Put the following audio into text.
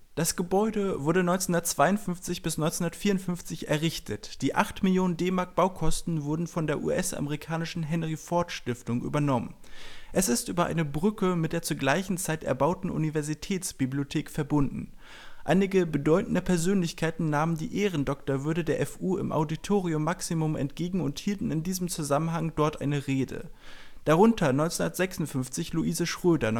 Das Gebäude wurde von 1952 bis 1954 errichtet; die acht Millionen D-Mark Baukosten wurden von der US-amerikanischen Henry-Ford-Stiftung übernommen. Es ist über eine Brücke mit der zur gleichen Zeit erbauten Universitätsbibliothek verbunden. Einige bedeutende Persönlichkeiten nahmen die Ehrendoktorwürde der FU im Auditorium Maximum entgegen und hielten in diesem Zusammenhang dort eine Rede: darunter 1956 Louise Schroeder